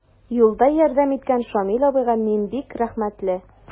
Юлда ярдәм иткән Шамил абыйга мин бик рәхмәтле.